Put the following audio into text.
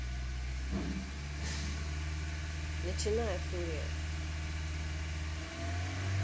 начиная фурия